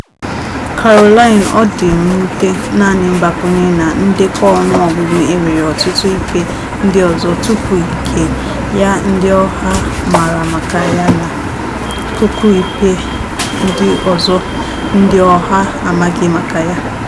Carolina, ọ dị mwute, naanị mgbakwụnye na ndekọ ọnụọgụgụ, e nwere ọtụtụ ikpe ndị ọzọ tupu nke ya ndị ọha mara maka ya na puku ikpe ndị ọzọ ndị ọha amaghị maka ya.